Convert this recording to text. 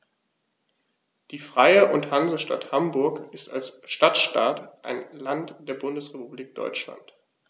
Die Freie und Hansestadt Hamburg ist als Stadtstaat ein Land der Bundesrepublik Deutschland.